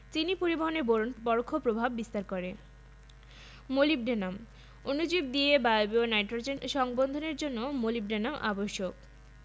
চিনি পরিবহনে বোরন পরোক্ষ প্রভাব বিস্তার করে মোলিবডেনাম অণুজীব দিয়ে বায়বীয় নাইট্রোজেন সংবন্ধনের জন্য মোলিবডেনাম আবশ্যক